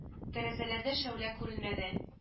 – тәрәзәләрдә шәүлә күренмәде